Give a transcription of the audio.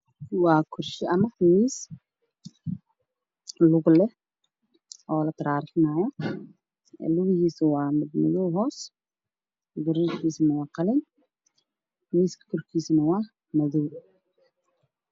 Waa kursi ama miis lugo leh oo lataraarixinaayo, lugihiisu waa madow hoos, birihiisu waa qalin, miiska korkiisa waa madow.